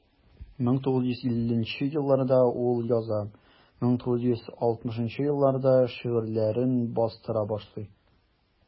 1950 елларда ул яза, 1960 елларда шигырьләрен бастыра башлый.